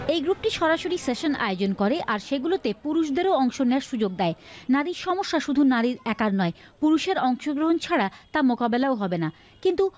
এই গ্রুপটি সরাসরি সেশন আয়োজন করে আর পুরুষদের কেউ অংশ নেয়ার সুযোগ দেয নারীর সমস্যা শুধু নারীর একার নয় পুরুষের অংশগ্রহণ ছাড়া তা মোকাবেলা ও হবেনা কিন্তু